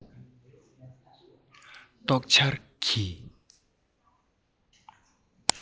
རྟོག འཆར གྱི